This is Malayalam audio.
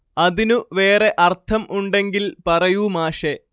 അതിനു വേറേ അർത്ഥം ഉണ്ടെങ്കിൽ പറയൂ മാഷേ